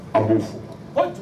Unhun